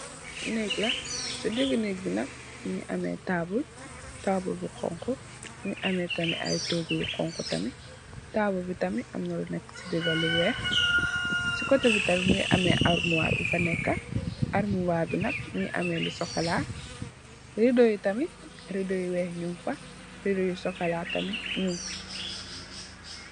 Néeg la si digi néeg bi nak mongi ame taabul tabul bu xonxu mongi ame tamit togu bu xonxu tamit tabul bi tamit amna lu neka si digi bi lu weex si kote bi tamit mongi ame almuwar almuwar bi nak mogi am lu cxocola redui tamit reoldo yu weex nyun fa redo yu cxocola tamit nyun fa.